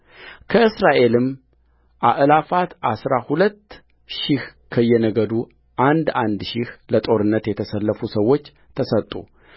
ከእስራኤልም አእላፋት አሥራ ሁለት ሺህ ከየነገዱ አንድ አንድ ሺህ ለጦርነት የተሰለፉ ሰዎች ተሰጡ